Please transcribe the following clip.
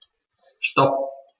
Stop.